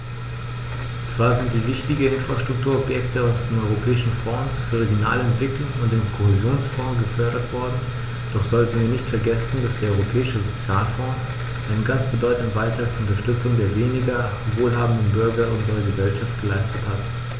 Zwar sind wichtige Infrastrukturprojekte aus dem Europäischen Fonds für regionale Entwicklung und dem Kohäsionsfonds gefördert worden, doch sollten wir nicht vergessen, dass der Europäische Sozialfonds einen ganz bedeutenden Beitrag zur Unterstützung der weniger wohlhabenden Bürger unserer Gesellschaft geleistet hat.